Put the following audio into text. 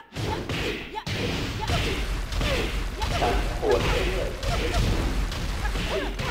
ฉันปวดเมื่อย